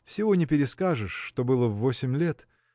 всего не перескажешь, что было в восемь лет.